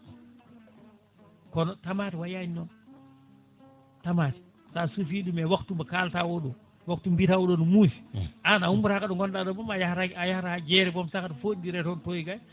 kono tamate wayani noon tamate sa suufi ɗum e waktu mo kalata oɗo waktu mbiyata oɗo ne muusi an a ummotako ɗo gonɗa ɗo mboom a yaahata a yaahata jeere saka aɗa foɗodire toon to e gay